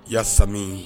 Ya sami